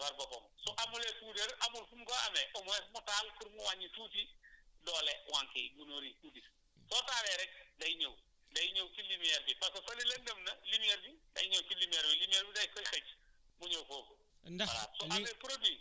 voilà béykat bi mun na ko defal boppam su amulee puudar amul fu mu ko amee au moins mu taal pour mu wàññi tuuti doole wànq yi gunóor yi tuuti soo taalee rek day ñëw day ñëw si lumière bi parce que fële lëndëm na lumière bi day ñëw si lumière bi lumière bi daf koy xëcc mu ñëw foofu